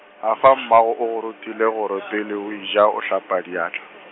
a fa mmago o go rutile gore pele o e ja o hlapa diatla.